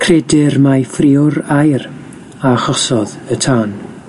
Credir mai ffriwr aer â achosodd y tân.